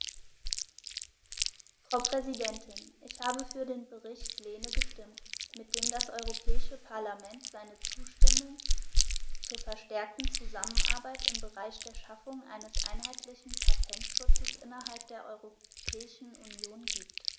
Frau Präsidentin, ich habe für den Bericht Lehne gestimmt, mit dem das Europäische Parlament seine Zustimmung zur verstärkten Zusammenarbeit im Bereich der Schaffung eines einheitlichen Patentschutzes innerhalb der Europäischen Union gibt.